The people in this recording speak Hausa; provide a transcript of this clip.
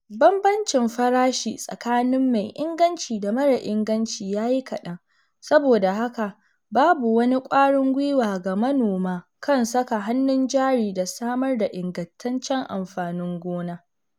Bambancin farashi tsakanin mai inganci da mara inganci ya yi kaɗan, saboda haka babu wani ƙwarin guiwa ga manoma kan saka hannun jari da samar da ingantaccen amfanin gona.